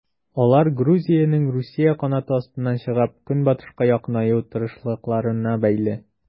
Алар Грузиянең Русия канаты астыннан чыгып, Көнбатышка якынаю тырышлыкларына бәйле.